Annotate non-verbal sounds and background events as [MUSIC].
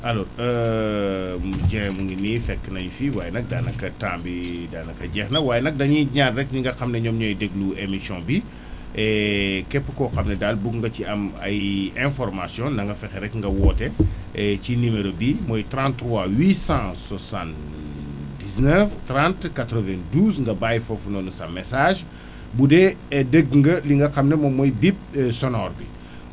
alors [HESITATION] [NOISE] Dieng mu ngi nii fekk nañu fii waaye nag daanaka temps bi daanaka jeex na waaye nag dañuy ñaan rek ñi nga xam ne ñoom ñooy déglu émission bii [BREATH] [HESITATION] képp koo xam ne daal bëgg nga ci am ay informations na nga fexe rek nga woote [NOISE] [HESITATION] ci numéro bii muy 33 879 30 92 nga bàyyi foofu noonu sa message [BREATH] bu dee dégg nga li nga xam ne moom mooy bip sonore bi [BREATH]